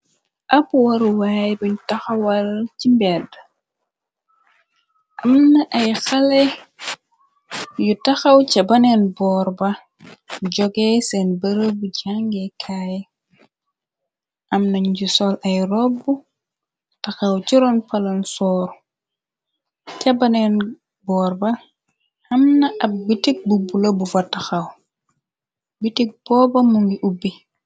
Ab waruwaay buñ taxawal ci mbedd, amna ay xale yu taxaw ca baneen boor ba, jogee seen bërëb jangekaay. Am nañ ju sol ay rooba taxaw ciroon palonsor , ca baneen boor ba amna ab bitik bu bula bu fa taxaw , bitik booba mu ngi ubbi.